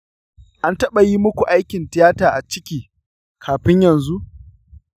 shin an taɓa yi muku aikin tiyata a ciki kafin yanzu?